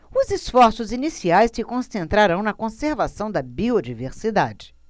os esforços iniciais se concentrarão na conservação da biodiversidade